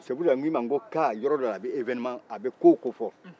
o de la n ko i ma ko ka bɛ kow kofɔ